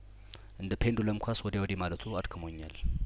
እንደ ፔንዱለም ኳስ ወዲያ ወዲህ ማለቱ አድክሞኛል